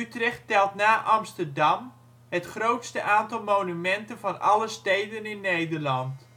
Utrecht telt na Amsterdam het grootste aantal monumenten van alle steden in Nederland